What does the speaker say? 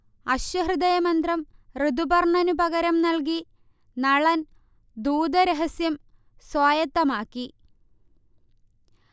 അശ്വഹൃദയമന്ത്രം ഋതുപർണനു പകരം നൽകി നളൻ ദൂതരഹസ്യം സ്വായത്തമാക്കി